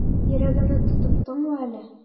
Йөрәгемне тотып тыңла әле.